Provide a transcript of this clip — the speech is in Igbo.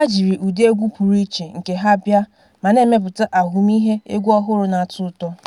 Ha jiri ụdị egwu pụrụ iche nke ha bịa ma na-emepụta ahụmịhe egwu ọhụrụ na-atọ ụtọ.